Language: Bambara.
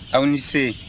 aw ni se